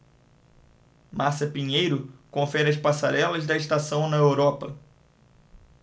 márcia pinheiro confere as passarelas da estação na europa